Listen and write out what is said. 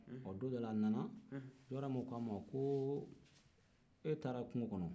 don dɔ la a nana jawɔrɔmɛw k'a man ko e taara kungo kɔnɔ